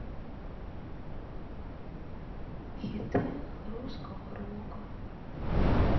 хиты русского рока